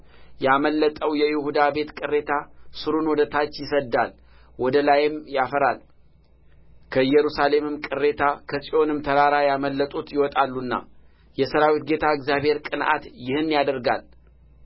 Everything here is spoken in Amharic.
ያመለጠው የይሁዳ ቤት ቅሬታ ሥሩን ወደ ታች ይሰድዳል ወደ ላይም ያፈራል ከኢየሩሳሌም ቅሬታ ከጽዮንም ተራራ ያመለጡት ይወጣሉና የሠራዊት ጌታ የእግዚአብሔር ቅንዓት ይህን ያደርጋል